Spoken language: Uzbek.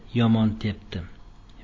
yomon tepdi